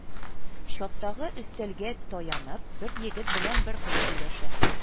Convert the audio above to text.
Чаттагы өстәлгә таянып, бер егет белән бер кыз сөйләшә